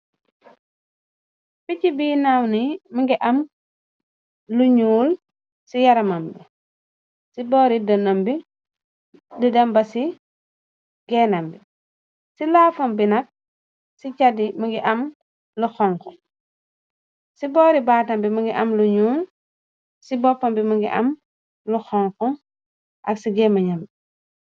picc bi nawni mëngi am lu ñuul ci yaramam bi ci boori dënam bi di demba ci gennam bi ci laafam bi nag ci caddi mngi am lu xonku ci boori baatam bi mëngi am lu ñuul ci boppam bi mëngi am lu xonk ak ci géemeñami